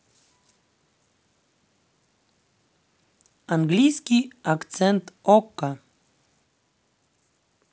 английский акцент okko